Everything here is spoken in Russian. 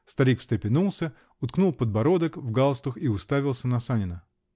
Старик встрепенулся, уткнул подбородок в галстук и уставился на Санина.